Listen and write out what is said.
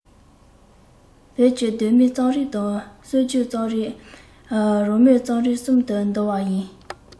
བོད ཀྱི གདོད མའི རྩོམ རིག དང སྲོལ རྒྱུན རྩོམ རིག རང མོས རྩོམ རིག གསུམ དུ འདུ བ ཡིན